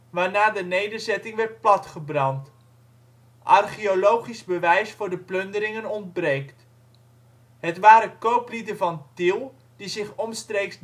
waarna de nederzetting werd platgebrand. Archeologisch bewijs voor de plunderingen ontbreekt. Het waren kooplieden van Tiel die zich omstreeks